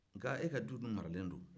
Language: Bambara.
nka e dun ka du maralen don